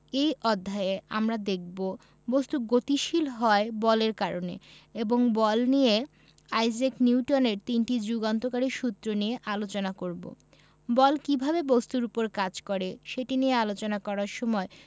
এই অধ্যায়ে আমরা দেখব বস্তু গতিশীল হয় বলের কারণে এবং বল নিয়ে আইজাক নিউটনের তিনটি যুগান্তকারী সূত্র নিয়ে আলোচনা করব বল কীভাবে বস্তুর উপর কাজ করে সেটি নিয়ে আলোচনা করার সময়